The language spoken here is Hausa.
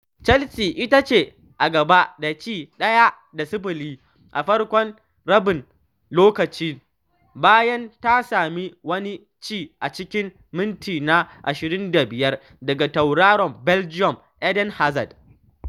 Chelsea ita ce a gaba da ci 1 da 0 a farkon rabin lokaci bayan ta sami wani ci a cikin minti na 25 daga tauraron Belgium Eden Hazard.